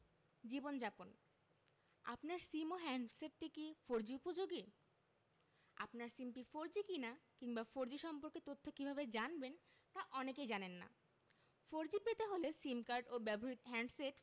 জীবনযাপন আপনার সিম ও হ্যান্ডসেট কি ফোরজি উপযোগী আপনার সিমটি ফোরজি কিনা কিংবা ফোরজি সম্পর্কে তথ্য কীভাবে জানবেন তা অনেকেই জানেন না ফোরজি পেতে হলে সিম কার্ড ও ব্যবহৃত হ্যান্ডসেট